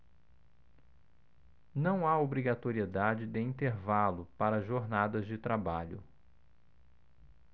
não há obrigatoriedade de intervalo para jornadas de trabalho